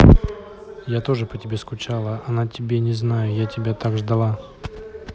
я тоже по тебе скучала она тебе не знаю я тебя так ждала